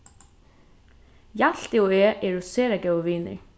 hjalti og eg eru sera góðir vinir